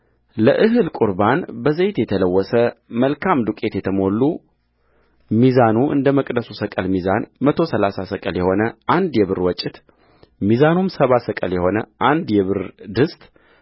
ለእህል ቍርባን በዘይት የተለወሰ መልካም ዱቄት የተሞሉ ሚዛኑ እንደ መቅደሱ ሰቅል ሚዛን መቶ ሠላሳ ሰቅል የሆነ አንድ የብር ወጭት ሚዛኑም ሰባ ሰቅል የሆነ አንድ የብር ድስት